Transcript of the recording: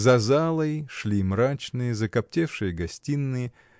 За залой шли мрачные, закоптевшие гостиные